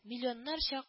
Миллионнарча